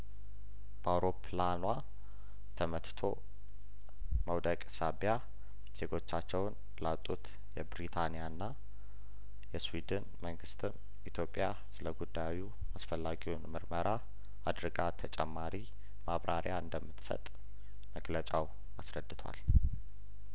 በአውሮፕላኗ ተመትቶ መውደቅ ሳቢያ ዜጐቻቸውን ላጡት የብሪታኒያና የስዊድን መንግስትም ኢትዮጵያ ስለጉዳዩ አስፈላጊውን ምርመራ አድርጋ ተጨማሪ ማብራሪያ እንደምትሰጥ መግለጫው አስረድቷል